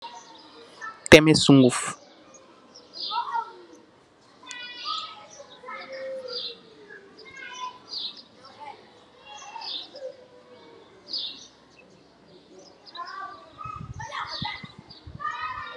Temeh sunguf.